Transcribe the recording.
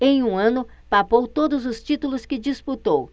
em um ano papou todos os títulos que disputou